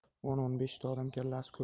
o'n o'n beshta odam kallasi